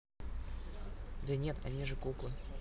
да нет они же куклы